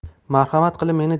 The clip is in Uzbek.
marhamat qilib meni